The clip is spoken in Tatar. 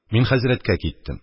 Мин хәзрәткә киттем.